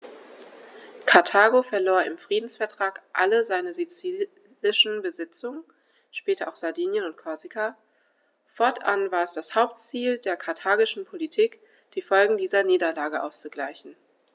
Karthago verlor im Friedensvertrag alle seine sizilischen Besitzungen (später auch Sardinien und Korsika); fortan war es das Hauptziel der karthagischen Politik, die Folgen dieser Niederlage auszugleichen.